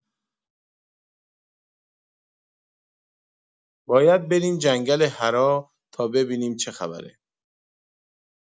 باید بریم جنگل حرا تا ببینیم چه خبره!